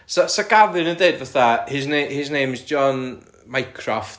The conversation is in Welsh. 'sa 'sa Gavin yn deud fatha "his name... his name is John Mycroft"